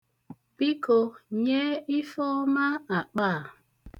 Biko, nye Ifeọma akpa a.